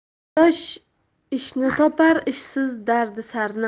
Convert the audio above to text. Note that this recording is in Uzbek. yosh ishni topar ishsiz dardisarni